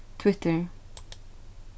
twitter